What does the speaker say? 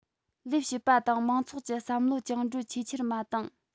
ལས བྱེད པ དང མང ཚོགས ཀྱི བསམ བློ བཅིངས འགྲོལ ཆེས ཆེར མ བཏང